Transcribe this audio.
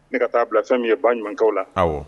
Ne ka taa bila fɛn min ye ba ɲumankaw la aw wa